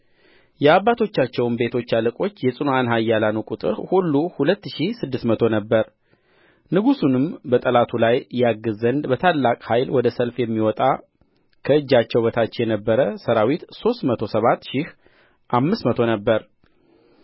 የአባቶቻቸውም ቤቶች አለቆች የጽኑዓን ኃያላኑ ቍጥር ሁሉ ሁለት ሺህ ስድስት መቶ ነበረ ንጉሡንም በጠላቱ ላይ ያግዝ ዘንድ በታላቅ ኃይል ወደ ሰልፍ የሚወጣ ከእጃቸው በታች የነበረ ሠራዊት ሦስት መቶ ሰባት ሺህ አምስት መቶ ነበረ